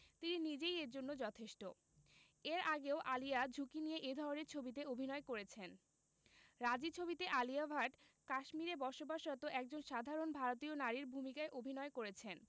তিনি নিজেই এর জন্য যথেষ্ট এর আগেও আলিয়া ঝুঁকি নিয়ে এ ধরনের ছবিতে অভিনয় করেছেন রাজী ছবিতে আলিয়া ভাট কাশ্মীরে বসবাসরত একজন সাধারন ভারতীয় নারীর ভূমিকায় অভিনয় করেছেন